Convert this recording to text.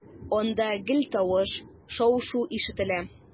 Анда гел тавыш, шау-шу ишетелә.